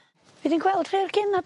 Fu di'n gweld rhei o'r genod...